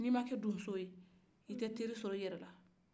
ni i ma kɛ donso ye i tɛ teri sɔrɔ i yɛrɛla